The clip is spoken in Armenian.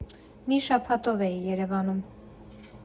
Մի շաբաթով էի Երևանում։